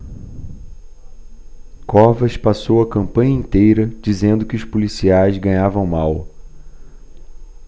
covas passou a campanha inteira dizendo que os policiais ganhavam mal